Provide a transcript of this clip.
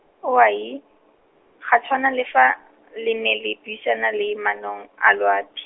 owai, ga tshwana le fa, le ne le buisana le manong a loapi.